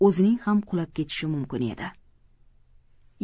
o'zining ham qulab ketishi mumkin edi